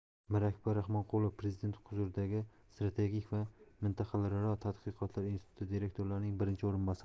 mirakbar rahmonqulov prezidenti huzuridagi strategik va mintaqalararo tadqiqotlar instituti direktorining birinchi o'rinbosari